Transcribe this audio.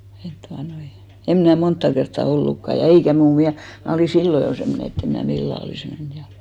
että tuota noin en minä montaa kertaa ollutkaan ja ja eikä muu - minä olin silloin jo semmoinen että en minä millään olisi mennyt ja